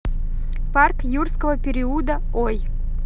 парк юрского периода ой